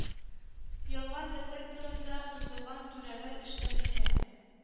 Ялган детекторында тотылган түрәләр эштән китә